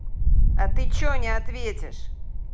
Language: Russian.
а ты че не ответишь